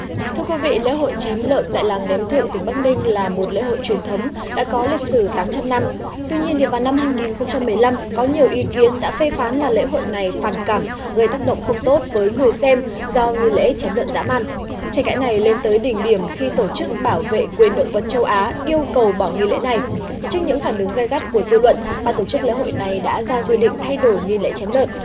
thưa quý vị lễ hội chém lợn tại làng ném thượng tỉnh bắc ninh là một lễ hội truyền thống đã có lịch sử tám trăm năm tuy nhiên thì vào năm hai nghìn không trăm mười lăm có nhiều ý kiến đã phê phán là lễ hội này phản cảm gây tác động không tốt với người xem do nghi lễ chém lợn giã màn tranh cãi này lên tới đỉnh điểm khi tổ chức bảo vệ quyền động vật châu á yêu cầu bỏ nghi lễ này trước những phản ứng gay gắt của dư luận ban tổ chức lễ hội này đã ra quyết định thay đổi nghi lễ chém lợn